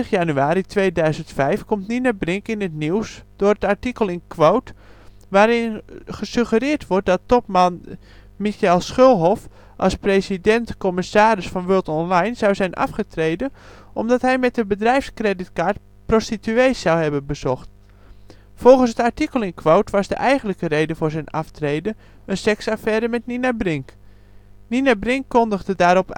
januari 2005 komt Nina Brink in het nieuws door een artikel in Quote, waarin gesuggeerd wordt dat topman Michael Schulhof als president-commissaris van Worldonline zou zijn afgetreden omdat hij met de bedrijfscreditcard prostituées zou hebben bezocht. Volgens het artikel in Quote was de eigenlijke reden voor zijn aftreden een seksaffaire met Nina Brink. Nina Brink kondigde daarop